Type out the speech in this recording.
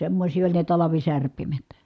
semmoisia oli ne talvisärpimet